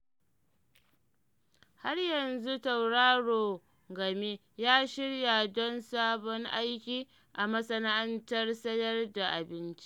Har yanzu tauraro Game ya shirya don sabon aiki a masana’antar sayar da abinci